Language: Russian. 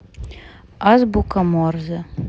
азбука морзе